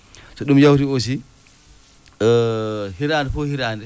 so ɗum yawtii aussi hitaande fof hitaande